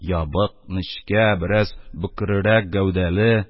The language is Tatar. Ябык, нечкә, бераз бөкрерәк гәүдәле,